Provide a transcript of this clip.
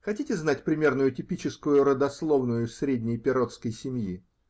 Хотите знать примерную типическую родословную средней перотской семьи?